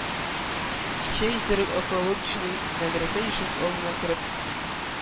Кичә исерек околодочный мәдрәсә ишек алдына кереп,